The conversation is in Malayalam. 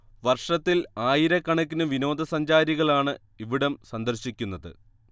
വർഷത്തിൽ ആയിരക്കണക്കിനു വിനോദസഞ്ചാരികളാണ് ഇവിടം സന്ദർശിക്കുന്നത്